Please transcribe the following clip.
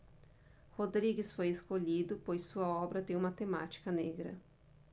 rodrigues foi escolhido pois sua obra tem uma temática negra